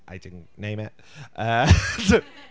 I didn't name it. Yy